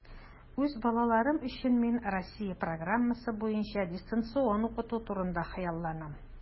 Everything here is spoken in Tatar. Үз балаларым өчен мин Россия программасы буенча дистанцион укыту турында хыялланам.